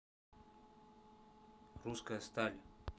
русская сталь